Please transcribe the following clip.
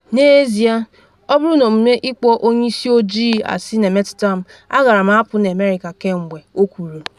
N’ezie, ọ bụrụ na omume ịkpọ onye isi ojii asị na-emetụta m, agaara m apụ na America kemgbe.” o kwuru.